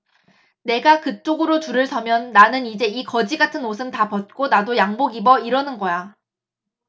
내가 그쪽으로 줄을 서면 나는 이제 이 거지 같은 옷은 다 벗고 나도 양복 입어 이러는 거야